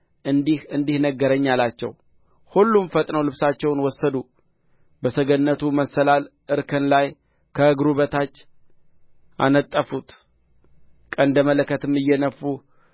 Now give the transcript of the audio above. እንዲህ እንዲህ ነገረኝ አላቸው ሁሉም ፈጥነው ልብሳቸውን ወሰዱ በሰገነቱ መሰላል እርከን ላይ ከእግሩ በታች አነጠፉት ቀንደ መለከትም እየነፉ